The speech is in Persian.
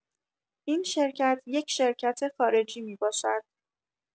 این شرکت، یک شرکت خارجی می‌باشد.